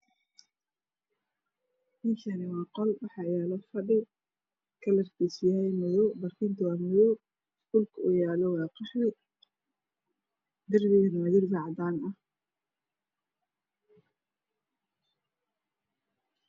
Meshaaani waa qalo waxaa yala fadhi kalarkiisu yahau .adoow narkintu waa madoow dhulka uu yalo waa qaxwi dernigana waa derbi cadan ah